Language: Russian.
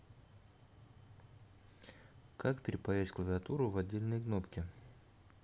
как перепаять клавиатуру в отдельные кнопки